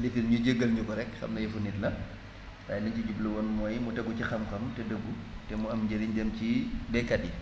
lifin ñu jégal ñu ko rekk xam ne yëfu nit la waaye liñ ci jubluwoon mooy mu tegu ci xam-xam te dëggu te mu am njariñ jëm ci baykat yi